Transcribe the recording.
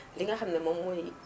li nga xam ne moom mooy